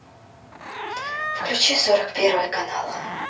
включи сорок первый канал